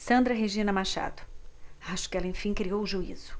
sandra regina machado acho que ela enfim criou juízo